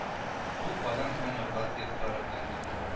Ул Казан һәм Нурлат герблары белән бизәлгән